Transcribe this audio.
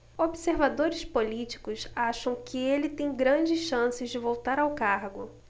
observadores políticos acham que ele tem grandes chances de voltar ao cargo